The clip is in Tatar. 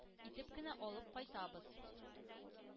Итеп кенә алып кайтабыз.